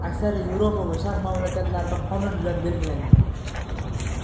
aksariyat yevropa va sharq mamlakatlarida qonun bilan belgilangan